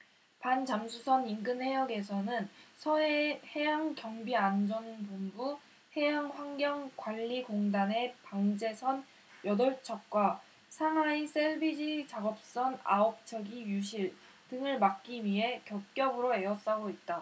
반잠수선 인근해역에는 서해해양경비안전본부 해양환경관리공단의 방제선 여덟 척과 상하이 샐비지 작업선 아홉 척이 유실 등을 막기 위해 겹겹으로 에워싸고 있다